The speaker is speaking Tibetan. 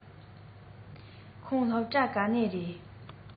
ཁོང སློབ གྲྭ ག ནས རེས